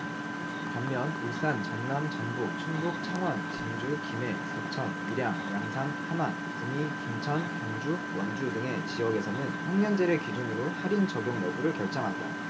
반면 울산 전남 전북 충북 창원 진주 김해 사천 밀양 양산 함안 구미 김천 경주 원주 등의 지역에서는 학년제를 기준으로 할인 적용 여부를 결정한다